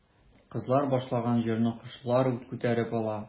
Кызлар башлаган җырны кошлар күтәреп ала.